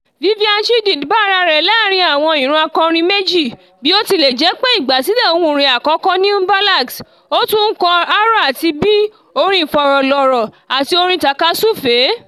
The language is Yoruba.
Viviane Chidid bá ara rẹ̀ láàárín àwọn ìran akọrin méjì: bí ó tilẹ̀ jẹ́ pé ìgbàsílẹ̀ ohùn rẹ̀ àkọ́kọ́ ni Mbalax, ó tún ń kọ R&B, orin ìfọ̀rọ̀lọ́rọ̀ àti orin tàkasúfèé.